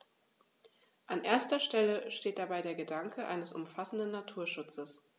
An erster Stelle steht dabei der Gedanke eines umfassenden Naturschutzes.